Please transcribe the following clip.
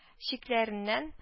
Чикләреннән